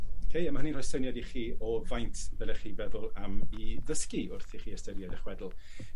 Oce a ma' hynny'n rhoi syniad i chi o faint ddylech chi feddwl am 'i ddysgu wrth i chi ystyried y chwedl.